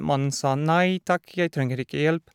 Nei takk, jeg trenger ikke hjelp.